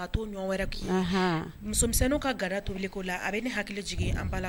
Misɛn bɛ ne hakili jigin